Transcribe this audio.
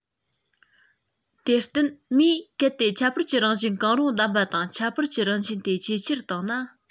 དེར བརྟེན མིས གལ ཏེ ཁྱད པར གྱི རང བཞིན གང རུང བདམས པ དང ཁྱད པར གྱི རང བཞིན དེ ཇེ ཆེར བཏང ན